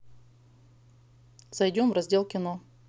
зайдем в раздел кино